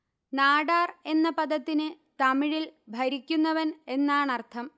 നാടാർ എന്ന പദത്തിന് തമിഴിൽ ഭരിക്കുന്നവൻ എന്നാണർഥം